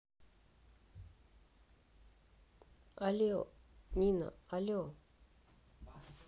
але нина але